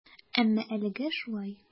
Әмма әлегә шулай.